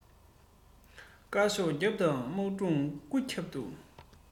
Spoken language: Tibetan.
བཀའ ཤོག རྒྱབ དང དམག ཕྲུག སྐུ རྒྱབ ཏུ